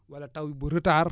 wala taw bu retard